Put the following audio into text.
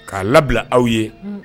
K'a labila aw ye